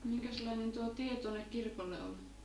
minkäslainen tuo tie tuonne kirkolle oli